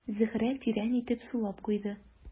Зөһрә тирән итеп сулап куйды.